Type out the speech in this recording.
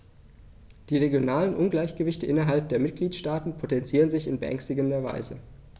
Die regionalen Ungleichgewichte innerhalb der Mitgliedstaaten potenzieren sich in beängstigender Weise.